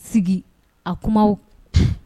Sigi a kumaw